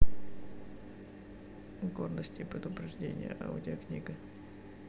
гордость и предубеждение аудиокнига